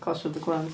Clash of the Clans